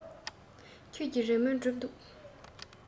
ཁྱེད ཀྱི རེ སྨོན སྒྲུབ འདུག